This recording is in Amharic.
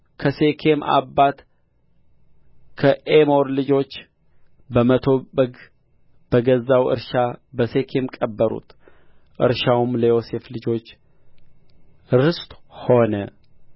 ከሴኬም አባት ከኤሞር ልጆች በመቶ በግ በገዛው እርሻ በሴኬም ቀበሩት እርሻውም ለዮሴፍ ልጆች ርስት ሆነ